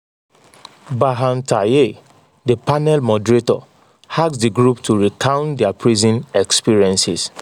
Berhan Taye, the panel moderator, asked the group to recount their prison experiences.